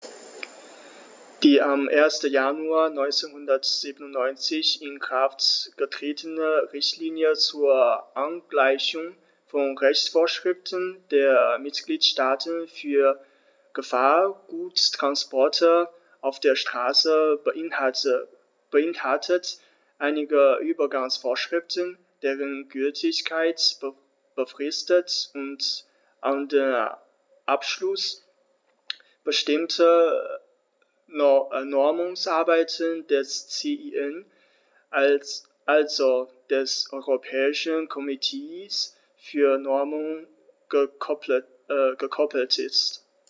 Die am 1. Januar 1997 in Kraft getretene Richtlinie zur Angleichung von Rechtsvorschriften der Mitgliedstaaten für Gefahrguttransporte auf der Straße beinhaltet einige Übergangsvorschriften, deren Gültigkeit befristet und an den Abschluss bestimmter Normungsarbeiten des CEN, also des Europäischen Komitees für Normung, gekoppelt ist.